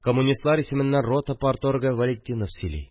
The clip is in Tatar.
Коммунистлар исеменнән рота парторгы Вәлетдинов сөйли